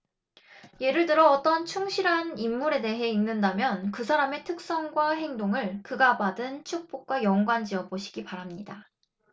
예를 들어 어떤 충실한 인물에 대해 읽는다면 그 사람의 특성과 행동을 그가 받은 축복과 연관 지어 보시기 바랍니다